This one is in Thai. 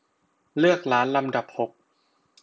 เลือกร้านลำดับหก